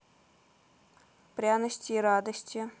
пряности и радости